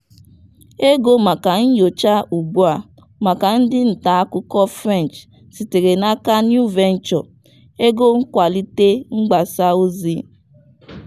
Ego maka nyocha ugbu a maka ndị nta akụkọ French sitere n'aka New Venture, ego nkwalite mgbasa ozi.